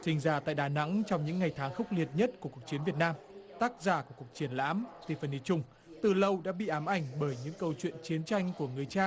sinh ra tại đà nẵng trong những ngày tháng khốc liệt nhất của cuộc chiến việt nam tác giả của cuộc triển lãm tìm về miền trung từ lâu đã bị ám ảnh bởi những câu chuyện chiến tranh của người cha